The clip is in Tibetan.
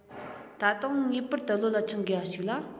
ད དུང ངེས པར དུ བློ ལ འཆང དགོས པ ཞིག ལ